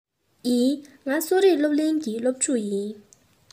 ཡིན ང གསོ རིག སློབ གླིང གི སློབ ཕྲུག ཡིན